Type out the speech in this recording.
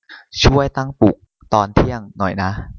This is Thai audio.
ช่วยตั้งปลุกตอนเที่ยงหน่อยนะ